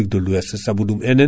ittoye kaadi ha Suisse